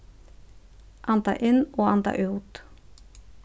anda inn og anda út